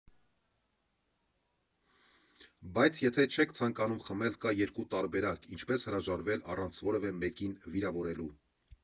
Բայց եթե չեք ցանկանում խմել, կա երկու տարբերակ, ինչպես հրաժարվել առանց որևէ մեկին վիրավորելու։